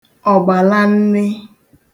ọ̀gbàlanne